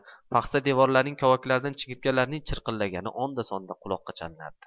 paxsa devorlarning kovaklaridan chigirtkalarning chirqillagani onda sonda quloqqa chalinardi